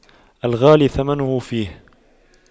الغالي ثمنه فيه